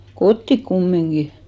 kotiin kumminkin